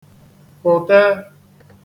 fụ̀te